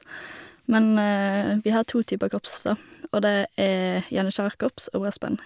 Men vi har to typer korps, da, og det er janitsjarkorps og brassband.